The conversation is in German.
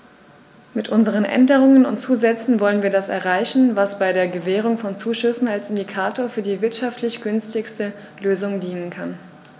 Mit unseren Änderungen und Zusätzen wollen wir das erreichen, was bei der Gewährung von Zuschüssen als Indikator für die wirtschaftlich günstigste Lösung dienen kann.